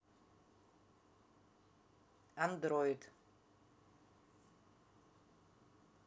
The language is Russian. android